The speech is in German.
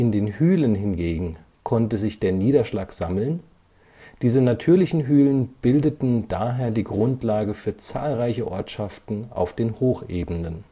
den Hülen hingegen konnte sich der Niederschlag sammeln, diese natürlichen Hülen bildeten daher die Grundlage für zahlreiche Ortschaften auf den Hochebenen